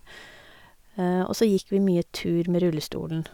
Og så gikk vi mye tur med rullestolen.